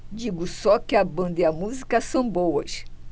digo só que a banda e a música são boas